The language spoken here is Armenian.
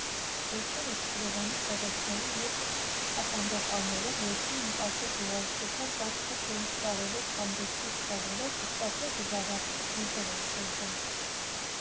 Վերջերս Երևանի փողոցներում մեծ ականջակալներով, երբեմն կարծես երաժշտության տակ փոքր֊ինչ պարելով կամ ռիթմիկ քայլերով, ժպտացող ու զարմացող խմբեր են շրջում։